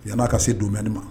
Yanana ka se donɛ ma